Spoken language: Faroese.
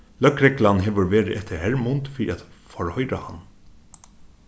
løgreglan hevur verið eftir hermund fyri at forhoyra hann